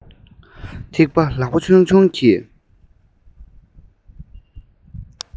ཐིགས པ ལག པ ཆུང ཆུང གིས